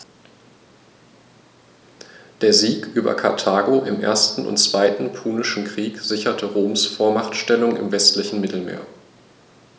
Der Sieg über Karthago im 1. und 2. Punischen Krieg sicherte Roms Vormachtstellung im westlichen Mittelmeer.